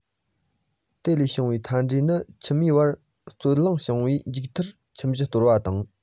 དེ ལས བྱུང བའི མཐའ འབྲས ནི ཁྱིམ མིའི བར རྩོད གླེང འབྱུང ཞིང མཇུག མཐར ཁྱིམ གཞིས གཏོར བ དང